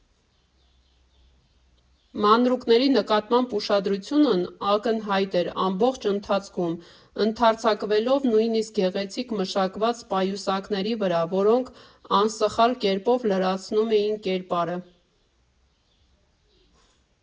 Մանրուքների նկատմամբ ուշադրությունն ակնհայտ էր ամբողջ ընթացքում՝ ընդարձակվելով նույնիսկ գեղեցիկ մշակված պայուսակների վրա, որոնք անսխալ կերպով լրացնում էին կերպարը։